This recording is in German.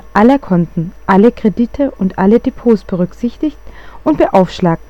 aller Konten, alle Kredite und alle Depots berücksichtigt und beaufschlagt